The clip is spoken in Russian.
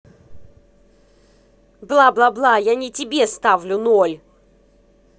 блаблабла я не тебе ставлю ноль